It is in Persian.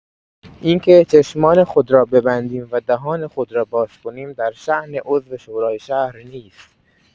اینکه چشمان خود را ببندیم و دهان خود را باز کنیم درشان عضو شورای شهر نیست.